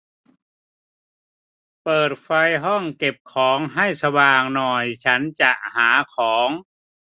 เปิดไฟห้องเก็บของให้สว่างหน่อยฉันจะหาของ